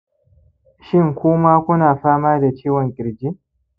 shin kuma ku na fama da ciwon ƙirji